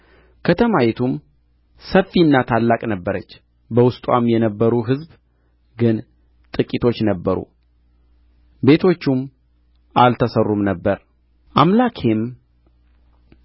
ከተማይቱም ሰፊና ታላቅ ነበረች በውስጥዋ የነበሩ ሕዝብ ግን ጥቂቶች ነበሩ ቤቶቹም አልተሠሩም ነበር አምላኬም